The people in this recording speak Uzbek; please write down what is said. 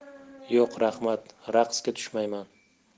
yo'q raxmat raqsga tushmayman